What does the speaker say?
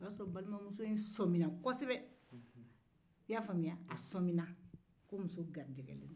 o y'a sɔrɔ balimamuso in sɔmina ko muso lajɔlen don